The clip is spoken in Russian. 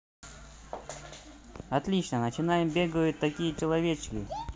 отлично начинаем бегают такие человечки